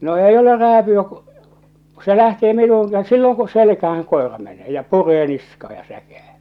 no ei ole rääpyä kun kun se lähtee minuun - silloin kun selkään koira menee ja puree niskaa ja säkää